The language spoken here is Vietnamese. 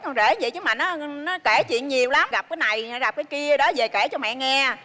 con rể dậy chứ mà nó nó kể chuyện nhiều lắm gặp này hay gặp cái kia đó về kể cho mẹ nghe